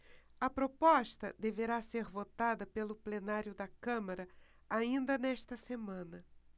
a proposta deverá ser votada pelo plenário da câmara ainda nesta semana